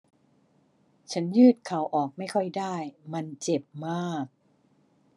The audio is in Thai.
ฉันยืดเข่าออกไม่ค่อยได้มันเจ็บมาก